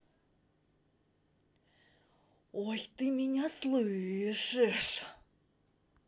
ой ты меня слышишь